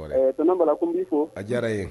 Tonton Bala ko n b'i fo, a diyara n ye